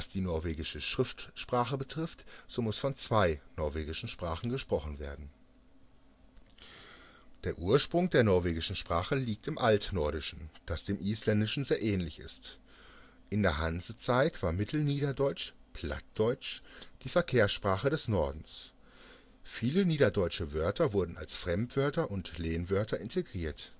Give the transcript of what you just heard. die norwegische Schriftsprache betrifft, so muss von zwei norwegischen Sprachen gesprochen werden. Der Ursprung der norwegischen Sprache liegt im Altnordischen, das dem Isländischen sehr ähnlich ist. In der Hansezeit war Mittelniederdeutsch (Plattdeutsch) die Verkehrssprache des Nordens. Viele niederdeutsche Wörter wurden als Fremdwörter und Lehnwörter integriert